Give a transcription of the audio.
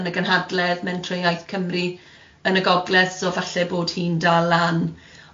yn y gynhadledd mentrau iaith Cymru yn y gogledd, so falle bod hi'n dal lan.